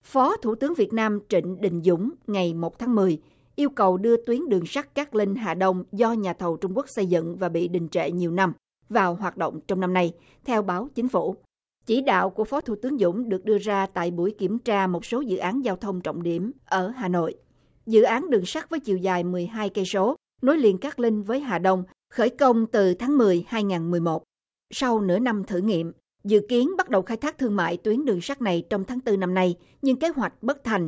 phó thủ tướng việt nam trịnh đình dũng ngày một tháng mười yêu cầu đưa tuyến đường sắt cát linh hà đông do nhà thầu trung quốc xây dựng và bị đình trệ nhiều năm vào hoạt động trong năm nay theo báo chính phủ chỉ đạo của phó thủ tướng dũng được đưa ra tại buổi kiểm tra một số dự án giao thông trọng điểm ở hà nội dự án đường sắt với chiều dài mười hai cây số nối liền cát linh với hà đông khởi công từ tháng mười hai ngàn mười một sau nửa năm thử nghiệm dự kiến bắt đầu khai thác thương mại tuyến đường sắt này trong tháng tư năm nay nhưng kế hoạch bất thành